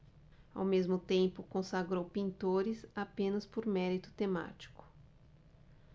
ao mesmo tempo consagrou pintores apenas por mérito temático